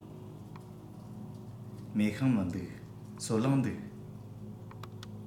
མེ ཤིང མི འདུག སོལ རླངས འདུག